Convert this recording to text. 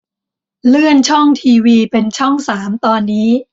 เลื่อนช่องทีวีเป็นช่องสามตอนนี้